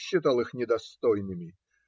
считал их недостойными.